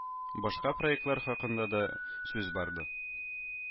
Башка проектлар хакында да сүз барды